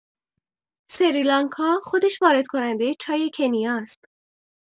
سریلانکا خودش واردکننده چای کنیا است.